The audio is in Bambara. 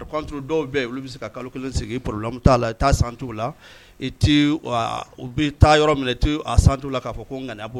Tu dɔw bɛ olu bɛ se kalo kelen sigi pla t'a la i taa santu la i u bɛ taa yɔrɔ minɛ a santu la k'a fɔ ko n ŋ